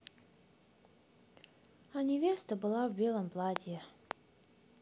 а невеста была в белом платье